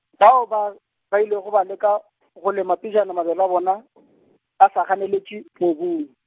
bao ba, ba ilego ba leka , go lema pejana mabele a bona , a sa ganeletše , mobung.